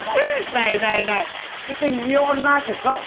này này này cái tình yêu on lai của cậu